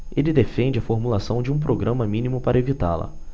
ele defende a formulação de um programa mínimo para evitá-la